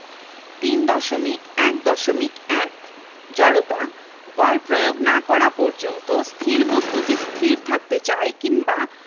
৩.১.১ জড়তা বল প্রয়োগ না করা পর্যন্ত স্থির বস্তু যে স্থির থাকতে চায় কিংবা